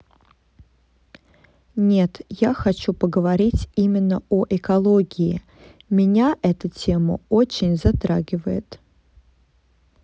нет я хочу поговорить именно о экологии меня эта тема очень затрагивает